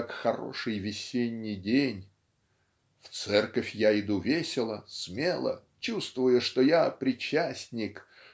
как хороший весенний день". "В церковь я иду весело смело чувствуя что я причастник